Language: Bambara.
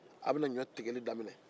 a bɛna ɲɔ tigɛli daminɛ